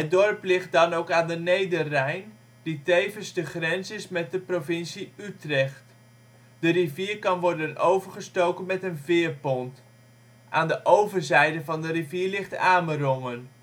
dorp ligt dan ook aan de Nederrijn, die tevens de grens is met de provincie Utrecht. De rivier kan worden overgestoken met een veerpont. Aan de overzijde van de rivier ligt Amerongen